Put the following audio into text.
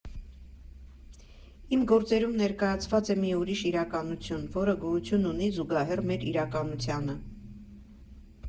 Իմ գործերում ներկայացված է մի ուրիշ իրականություն, որը գոյություն ունի զուգահեռ մեր իրականությանը։